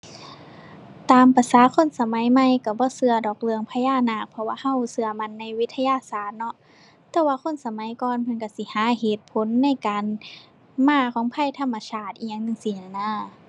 ตามประสาคนสมัยใหม่ก็บ่ก็ดอกเรื่องพญานาค เพราะว่าก็ก็มั่นในวิทยาศาสตร์เนาะ แต่ว่าคนสมัยก่อนเพิ่นก็สิหาเหตุผลในการมาของภัยธรรมชาติ อิหยังจั่งซี้หั้นน่ะ